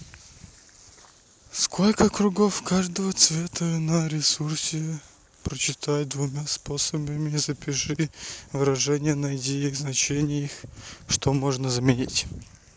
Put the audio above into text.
сколько кругов каждого цвета на ресурсе прочитать двумя способами запиши вырождение найди их значения что можно заметить